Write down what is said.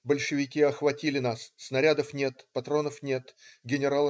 большевики охватили нас, снарядов нет, патронов нет, ген.